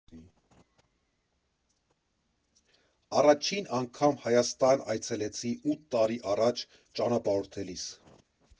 Առաջին անգամ Հայաստան այցելեցի ութ տարի առաջ՝ ճանապարհորդելիս։